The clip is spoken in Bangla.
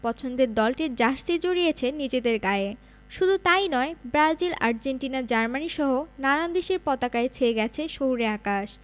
পছন্দের দলটির জার্সি জড়িয়েছেন নিজেদের গায়ে শুধু তা ই নয় ব্রাজিল আর্জেন্টিনা জার্মানিসহ নানান দেশের পতাকায় ছেয়ে গেছে শহুরে আকাশ